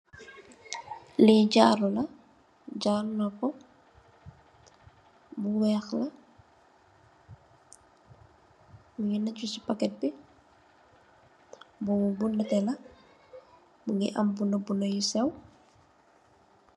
Li jarro la jarro nopu bu weex la mungi si paket bi mungi am bindo bindo bu seww.